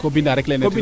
ko binda rek leyne